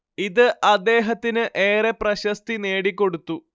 ഇത് അദ്ദേഹത്തിന് ഏറെ പ്രശസ്തി നേടിക്കൊടുത്തു